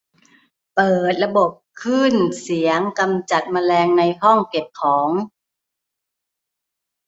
เปิดระบบคลื่นเสียงกำจัดแมลงในห้องเก็บของ